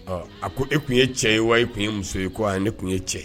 A ko e tun ye cɛ ye wa tun ye muso ye ko ayi ne tun ye cɛ ye